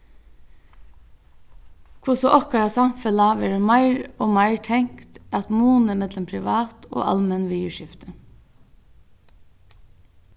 hvussu okkara samfelag verður meir og meir tengt at muni millum privat og almenn viðurskifti